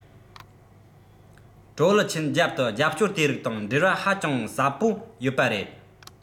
ཀྲུའུ ལི ཆན རྒྱབ ཏུ རྒྱབ སྐྱོར དེ རིགས དང འབྲེལ བ ཧ ཅང ཟབ པོ ཡོད པ རེད